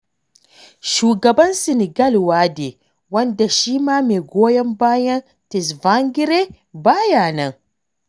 Shugaban Senegal Wade, wanda shi ma mai goyan bayan Tsvangirai ba ya nan.